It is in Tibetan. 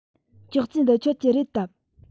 ཅོག ཙེ འདི ཁྱོད ཀྱི རེད དམ